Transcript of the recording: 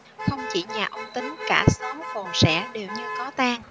không chỉ nhà ông tính cả xóm cồn sẻ đều như có tang